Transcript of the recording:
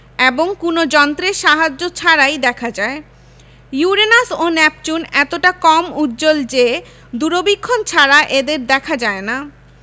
এবং কোনো যন্ত্রের সাহায্য ছাড়াই দেখা যায় ইউরেনাস ও নেপচুন এতটা কম উজ্জ্বল যে দূরবীক্ষণ ছাড়া এদের দেখা যায় না